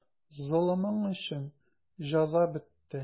Золымың өчен җәза бетте.